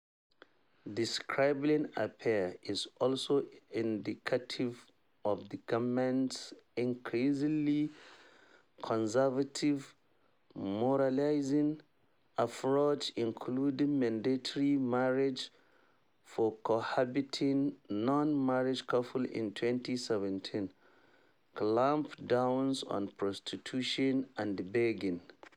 The "scribbling affair" is also indicative of the government’s increasingly conservative, moralizing approach, including mandatory marriages for cohabiting non-married couples in 2017, clampdowns on prostitution and begging.